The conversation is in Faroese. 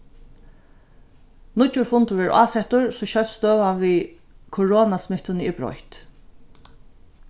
nýggjur fundur verður ásettur so skjótt støðan við koronasmittuni er broytt